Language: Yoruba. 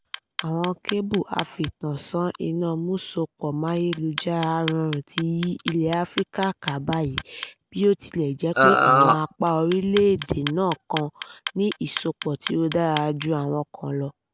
Àwọn kébù afìtànsán-iná-músopọ̀máyélujára-rọrùn ti yí ilẹ̀ Áfíríkà ká báyìí, bí ó tilẹ̀ jẹ́ pé àwọn apá orílẹ̀ náà kan ní ìsopọ̀ tí ó dára ju àwọn kan lọ.